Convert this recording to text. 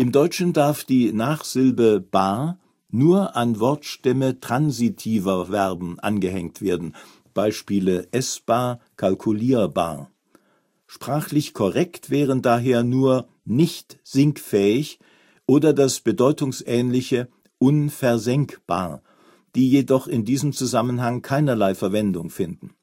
Deutschen darf die Nachsilbe - bar nur an Wortstämme transitiver Verben angehängt werden (Beispiele: essbar, kalkulierbar). Sprachlich korrekt wären daher nur nicht sinkfähig oder das bedeutungsähnliche unversenkbar, die jedoch in diesem Zusammenhang keinerlei Verwendung finden